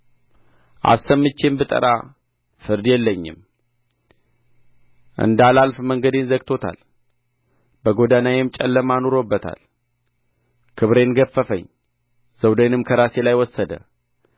አሰምቼም ብጠራ ፍርድ የለኝም እንዳላልፍ መንገዴን ዘግቶታል በጎዳናዬም ጨለማ አኑሮበታል ክብሬን ገፈፈኝ ዘውዴንም ከራሴ ላይ ወሰደ